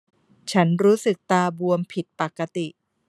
ฉันรู้สึกตาบวมผิดปกติ